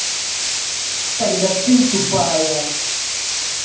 тогда ты тупая